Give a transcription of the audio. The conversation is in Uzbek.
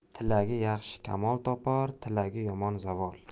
tilagi yaxshi kamol topar tilagi yomon zavol